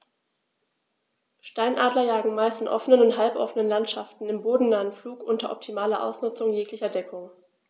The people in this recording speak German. Steinadler jagen meist in offenen oder halboffenen Landschaften im bodennahen Flug unter optimaler Ausnutzung jeglicher Deckung.